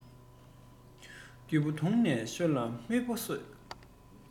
བདུད པོ དོང ནས ཤོར ན མི ཕོ གསོད